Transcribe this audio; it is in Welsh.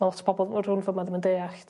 Lot o pobol ma' rwun ffor 'ma ddim yn deallt.